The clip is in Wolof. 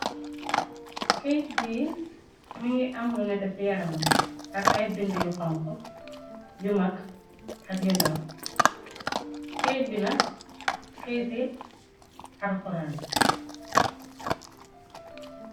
Kayite bii mi ngi amlo nete ci yaramoon bi ak ay bind yu xonko yu mag ak yondor kayt bi na kayti arkoraan la.